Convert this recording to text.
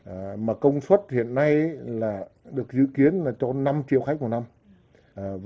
mà công suất hiện nay là được dự kiến là chỗ năm triệu khách mỗi năm